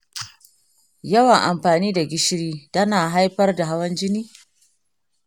yawan amfani da gishiri da na haifar da hawan jini?